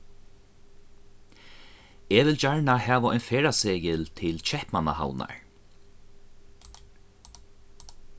eg vil gjarna hava ein ferðaseðil til keypmannahavnar